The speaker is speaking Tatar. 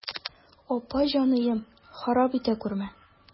Апа җаныем, харап итә күрмә.